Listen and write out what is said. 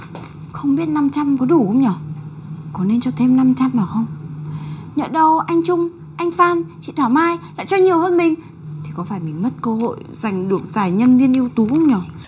không biết năm trăm có đủ không nhờ có nên cho thêm năm trăm vào không nhỡ đâu anh trung anh phan chị thảo mai lại cho nhiều hơn mình thì có phải mình mất cơ hội giành được giải nhân viên ưu tú không nhờ